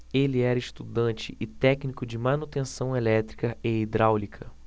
ele era estudante e técnico de manutenção elétrica e hidráulica